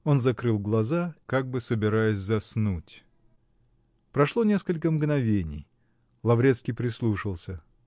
Он закрыл глаза, как бы собираясь заснуть. Прошло несколько мгновений. Лаврецкий прислушался.